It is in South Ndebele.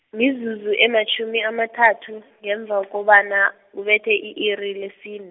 mizuzu ematjhumi amathathu, ngemva kobana, kubethe i-iri lesine.